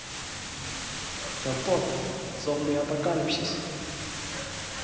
компот зомби апокалипсис